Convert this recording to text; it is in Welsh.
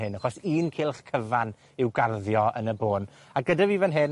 hyn, achos un cylch cyfan yw garddio yn y bôn. A gyda fi, fyn hyn